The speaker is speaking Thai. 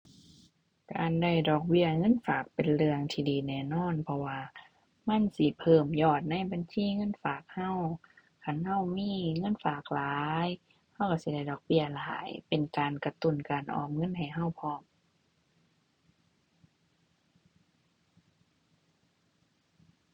การได้ดอกเบี้ยเงินฝากเป็นเรื่องที่ดีแน่นอน เพราะว่ามันสิเพิ่มยอดในบัญชีเงินฝากเรา คันเรามีเงินฝากหลาย เราเราสิได้ดอกเบี้ยหลาย เป็นการกระตุ้นการออมเงินให้เราพร้อม